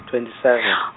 twenty seven.